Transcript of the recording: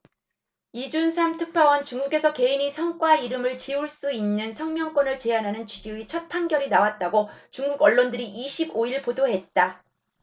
이준삼 특파원 중국에서 개인의 성과 이름을 지을 수 있는 성명권을 제한하는 취지의 첫 판결이 나왔다고 중국언론들이 이십 오 일 보도했다